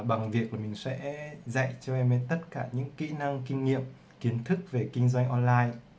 bằng việc mình sẽ dạy cho em ấy những kiến thức kỹ năng kinh nghiệm về kinh doanh online